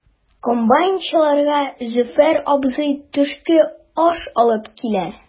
Комбайнчыларга Зөфәр абзый төшке аш алып килә.